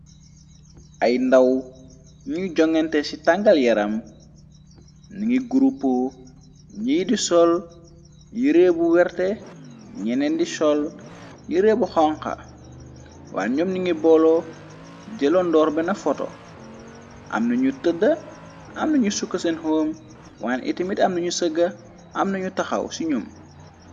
Ay ndaw ñuy joŋgante ci tangal yaram ningi grupo njiy di sol yi réebu werte ñenen di sol yi réebu xonka waan ñoom ningi boolo jëloondoor bena foto amnañu tëdda amnañu sukka seen home waane itimit am nañu sëgga amnañu taxaw ci ñyoom.